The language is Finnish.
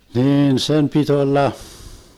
niin sen piti olla